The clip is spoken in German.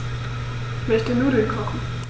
Ich möchte Nudeln kochen.